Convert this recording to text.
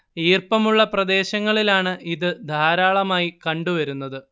ഈർപ്പമുള്ള പ്രദേശങ്ങളിലാണ് ഇത് ധാരാളമായി കണ്ടുവരുന്നത്